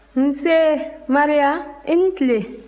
nse maria i ni tile